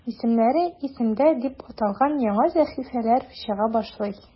"исемнәре – исемдә" дип аталган яңа сәхифәләр чыга башлый.